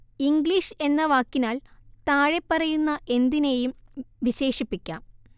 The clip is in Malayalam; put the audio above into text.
ഇംഗ്ലീഷ് എന്ന വാക്കിനാൽ താഴെപ്പറയുന്ന എന്തിനേയും വിശേഷിപ്പിക്കാം